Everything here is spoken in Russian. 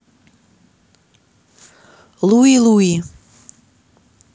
луи луи